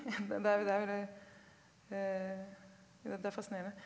ja det er det er veldig det er fasinerende.